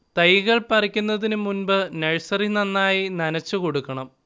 തൈകൾ പറിക്കുന്നതിന് മുമ്പ് നഴ്സറി നന്നായി നനച്ചുകൊടുക്കണം